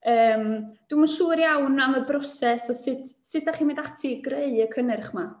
Yym dwi'm yn siŵr iawn am y broses o sut sut dach chi'n mynd ati i greu y cynnyrch 'ma?